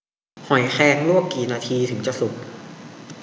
หอยแครงลวกกี่นาทีถึงจะสุก